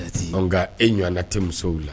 Nka e ɲɔgɔn tɛ musow la